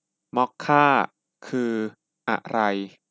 มอคค่าคืออะไร